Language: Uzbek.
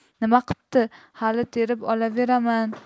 nima qipti hali terib olaveraman